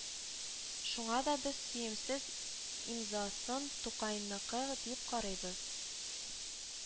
Шуңа да без Сөемсез имзасын Тукайныкы дип карыйбыз